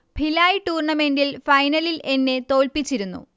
ഭിലായ് ടൂർണമെൻിൽ ഫൈനലിൽ എന്നെ തോൽപ്പിച്ചിരുന്നു